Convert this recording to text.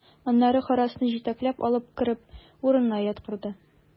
Аннары Харрасны җитәкләп алып кереп, урынына яткырды.